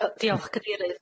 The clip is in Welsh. Yy, diolch Cadeirydd.